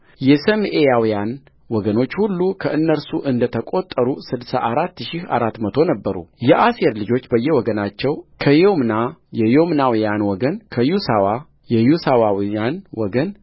የሰምዔያውያን ወገኖች ሁሉ ከእነርሱ እንደ ተቈጠሩ ስድሳ አራት ሺህ አራት መቶ ነበሩየአሴር ልጆች በየወገናቸው ከዪምና የዪምናውያን ወገን ከየሱዋ የየሱዋውያን ወገን ከበሪዓ የበሪዓውያን ወገን